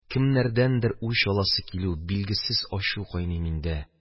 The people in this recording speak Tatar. Кемнәрдәндер үч аласы килү, билгесез ачу кайный миндә.